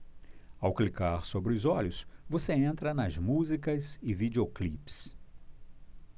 ao clicar sobre os olhos você entra nas músicas e videoclipes